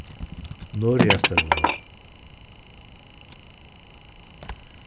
norðoyastevna